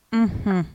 Unhun